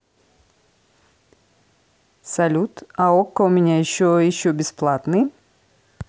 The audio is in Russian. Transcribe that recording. салют а okko у меня еще еще бесплатный